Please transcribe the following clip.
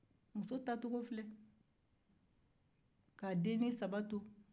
muso taacogo filɛ k'a dennin saba to